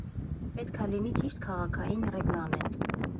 Պետք ա լինի ճիշտ քաղաքային ռեգլամենտ։